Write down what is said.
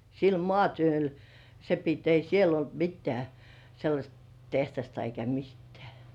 sillä maatyöllä se piti ei siellä ollut mitään sellaista tehdasta eikä mitään